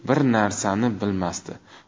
bir narsani bilmasdi